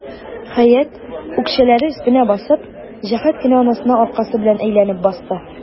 Хәят, үкчәләре өстенә басып, җәһәт кенә анасына аркасы белән әйләнеп басты.